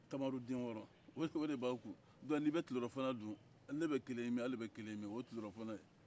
tamaroden wɔɔrɔ o de b'an kun dɔnku n'an bɛ tilelafana dun ne bɛ kelen ɲimi ale bɛ kelen ɲimi o ye tilelafana ye